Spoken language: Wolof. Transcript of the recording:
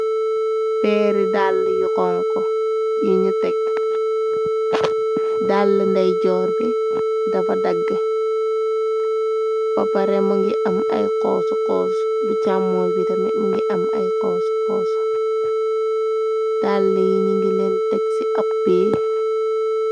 Peeri dàlle yu xonxo yeñu teg dàlle ndye joor bi dafa dagge ba pareh mugi am aye xoosu xoosu bu chamooy bi tamin mugi am ay xoosu xoosu dàlle yi ñugi leen teg ci ab peh.